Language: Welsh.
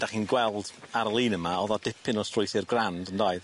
'Dach chi'n gweld ar y lun yma o'dd o dipyn o strwythur grand yndoedd?